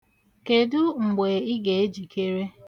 Kedu mgbe ị ga-ejikere?